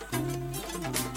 Sanunɛgɛnin yo